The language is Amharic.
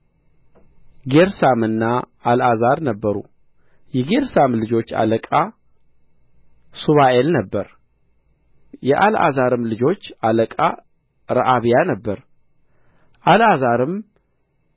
ጌርሳምና አልዓዛር ነበሩ ጌርሳም ልጆች አለቃ ሱባኤል ነበረ የአልዓዛርም ልጆች አለቃ ረዓብያ ነበረ አልዓዛርም